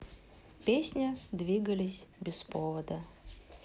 песня двигались без повода